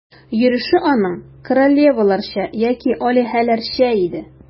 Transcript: Йөреше аның королеваларча яки алиһәләрчә иде.